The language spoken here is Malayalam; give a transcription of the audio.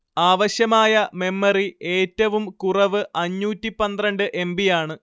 ആവശ്യമായ മെമ്മറി ഏറ്റവും കുറവ് അഞ്ഞൂറ്റി പന്ത്രണ്ട് എം ബി യാണ്